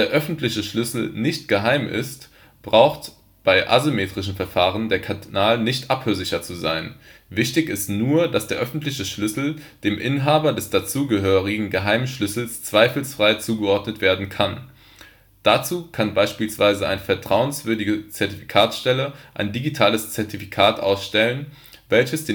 öffentliche Schlüssel nicht geheim ist, braucht bei asymmetrischen Verfahren der Kanal nicht abhörsicher zu sein; wichtig ist nur, dass der öffentliche Schlüssel dem Inhaber des dazugehörigen geheimen Schlüssels zweifelsfrei zugeordnet werden kann. Dazu kann beispielsweise eine vertrauenswürdige Zertifizierungsstelle ein digitales Zertifikat ausstellen, welches